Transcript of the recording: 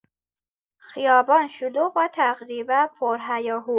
خیابان شلوغ و تقریبا پرهیاهو